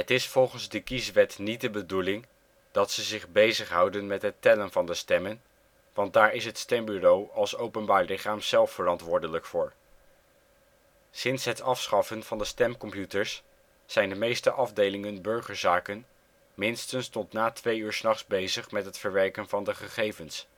is volgens de kieswet niet de bedoeling dat ze zich bezig houden met het tellen van de stemmen want daar is het stembureau als openbaar lichaam zelf verantwoordelijk voor. Sinds het afschaffen van de stemcomputers zijn de meeste afdelingen burgerzaken minstens tot na twee uur ' s nachts bezig met het verwerken van de gegevens